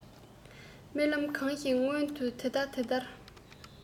རྨི ལམ གང ཞིག མངོན དུ དེ ལྟ དེ ལྟར